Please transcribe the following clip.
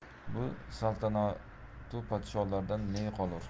bu saltanatu podsholardan ne qolur